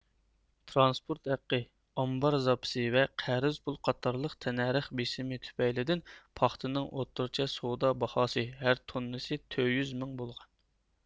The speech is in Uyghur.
ترانسپورت ھەققى ئامبار زاپىسى ۋە قەرز پۇل قاتارلىق تەننەرخ بېسىمى تۈپەيلىدىن پاختىنىڭ ئوتتۇرىچە سودا باھاسى ھەرتوننىسى تۆت يۈز مىڭ بولغان